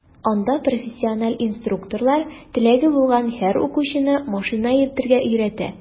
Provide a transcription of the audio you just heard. Анда профессиональ инструкторлар теләге булган һәр укучыны машина йөртергә өйрәтә.